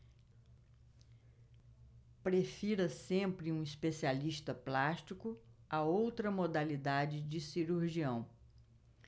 prefira sempre um especialista plástico a outra modalidade de cirurgião